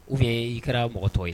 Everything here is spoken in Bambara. U bɛ i kɛra mɔgɔtɔ ye